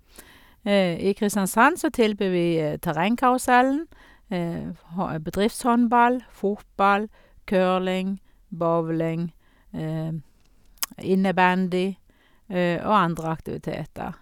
I Kristiansand, så tilbyr vi Terrengkarusellen, f hå bedriftshåndball, fotball, curling, bowling, innebandy, og andre aktiviteter.